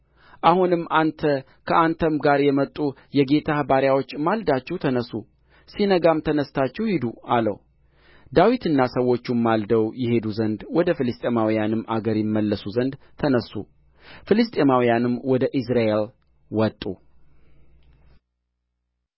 አሁንም አንተ ከአንተም ጋር የመጡ የጌታህ ባሪያዎች ማልዳችሁ ተነሡ ሲነጋም ተነሥታችሁ ሂዱ አለው ዳዊትና ሰዎቹም ማልደው ይሄዱ ዘንድ ወደ ፍልስጥኤማውያንም አገር ይመለሱ ዘንድ ተነሡ ፍልስጥኤማውያንም ወደ ኢይዝራኤል ወጡ